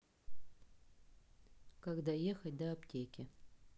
как доехать до аптеки